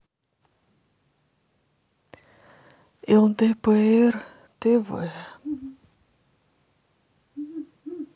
лдпр тв